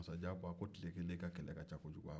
masajɛ ko a ko tile kelen ka kɛlɛ ka ca kokugu